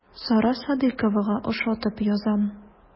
Сара Садыйковага ошатып язам.